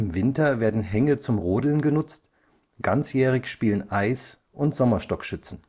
Winter werden Hänge zum Rodeln genutzt, ganzjährig spielen Eis - und Sommerstockschützen